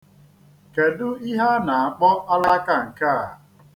Kedụ ihe a na-akpọ alaka nke a?